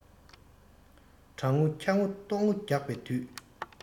གྲང ངུ འཁྱག ངུ ལྟོགས ངུ རྒྱག པའི དུས